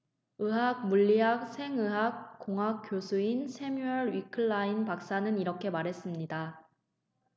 의학 물리학 생의학 공학 교수인 새뮤얼 위클라인 박사는 이렇게 말했습니다